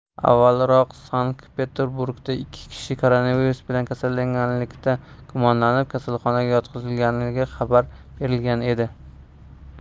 avvalroq sankt peterburgda ikki kishi koronavirus bilan kasallanganlikda gumonlanib kasalxonaga yotqizilgani xabar berilgan edi